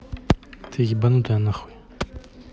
ты ебанутая нахуй